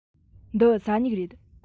འདི ས སྨྱུག རེད